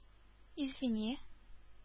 Извини